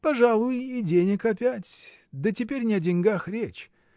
— Пожалуй, и денег опять — да теперь не о деньгах речь.